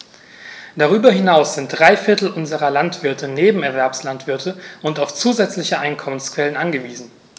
Darüber hinaus sind drei Viertel unserer Landwirte Nebenerwerbslandwirte und auf zusätzliche Einkommensquellen angewiesen.